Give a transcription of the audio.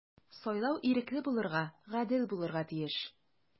Сайлау ирекле булырга, гадел булырга тиеш.